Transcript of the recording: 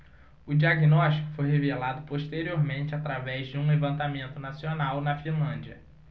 o diagnóstico foi revelado posteriormente através de um levantamento nacional na finlândia